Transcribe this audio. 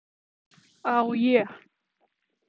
а у е